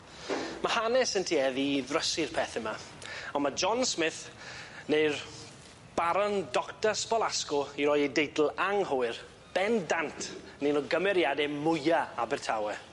Ma' hanes yn tueddu i ddrysu'r pethe 'ma on' ma' John Smith ne'r Baron Doctor Spolasco i roi ei deitl anghywir bendant yn un o gymeriade mwya Abertawe.